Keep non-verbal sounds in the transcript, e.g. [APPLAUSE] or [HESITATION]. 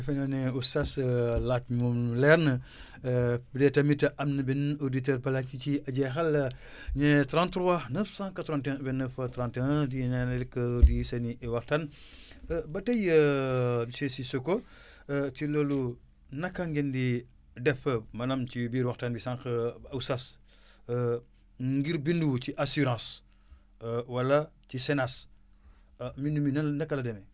defe naa ne oustaz sa [HESITATION] laaj moom leer na [BREATH] [HESITATION] bu dee tamit am na beneen auditeur balaa ci ciy jeexal [BREATH] ñu ne 33 981 29 31 di nee na rek di seen i waxtaan [BREATH] [HESITATION] ba tey [HESITATION] monsieur Cissokho [BREATH] [HESITATION] ci loolu naka ngeen di def maanaam ci biir waxtaan bi sànq [HESITATION] oustaz [BREATH] [HESITATION] ngir bindu wu ci assurance [HESITATION] wala ci CNAAS [HESITATION] mbind mi nan naka la demee